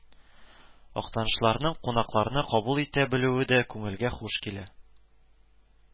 Актанышлыларның кунакларны кабул итә белүе дә күңелгә хуш килә